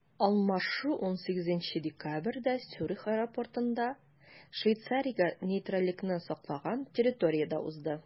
Алмашу 18 декабрьдә Цюрих аэропортында, Швейцариягә нейтральлекне саклаган территориядә узды.